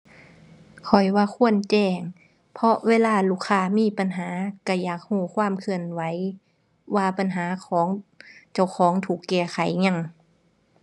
ข้อยว่าควรแจ้ง เพราะเวลาลูกค้ามีปัญหาก็อยากก็ความเคลื่อนไหว ว่าปัญหาของเจ้าของถูกแก้ไขยัง